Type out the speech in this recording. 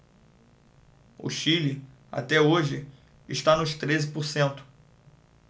o chile até hoje está nos treze por cento